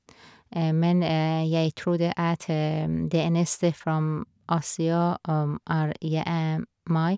Men jeg trodde at det eneste from Asia er je meg.